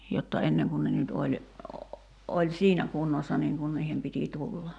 jotta ennen kuin ne nyt oli oli siinä kunnossa niin kuin niiden piti tulla